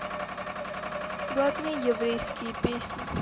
блатные еврейские песни